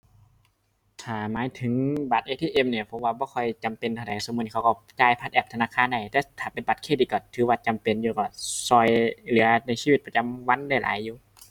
ถ้าหมายถึงบัตร ATM เนี่ยผมว่าบ่ค่อยจำเป็นเท่าใด ซุมื้อเขาก็จ่ายผ่านแอปธนาคารได้ แต่ถ้าเป็นบัตรเครดิตก็ถือว่าจำเป็นอยู่ ก็ก็เหลือในชีวิตประจำวันได้หลายอยู่